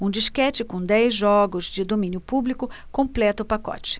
um disquete com dez jogos de domínio público completa o pacote